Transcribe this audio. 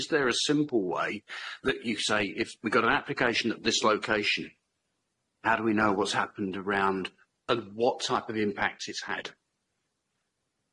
is there a simple way that you say if we've got an application at this location how do we know what's happened around and what type of impact it's had?